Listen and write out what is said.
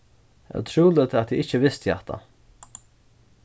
ótrúligt at eg ikki visti hatta